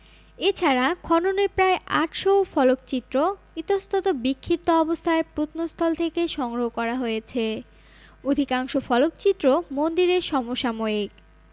এছাড়া খননে প্রায় ৮০০ ফলকচিত্র ইতস্তত বিক্ষিপ্ত অবস্থায় প্রত্নস্থল থেকে সংগ্রহ করা হয়েছে অধিকাংশ ফলকচিত্র মন্দিরের সমসাময়িক